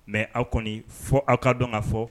Mɛ aw kɔni fɔ aw ka dɔn ka fɔ